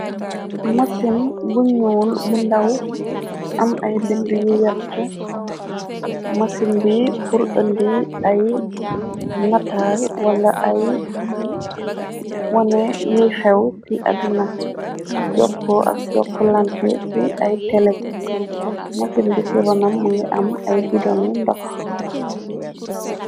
Mësin bu ñuul, bu ndaw, am ay bind yu yett, mësin bi pur ëndi ay nataal, wala ay wone yiy xew ci adduna, jokkoo ak jokklante ci ay tele, mësin bi ci ronam mngi am ay bidoni ndox.